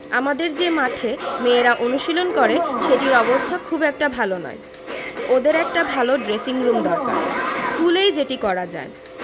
আমাদের যে মাঠে মেয়েরা অনুশীলন করে সেটির অবস্থা খুব একটা ভালো নয় ওদের একটা ভালো ড্রেসিংরুম দরকার স্কুলেই যেটি করা যায়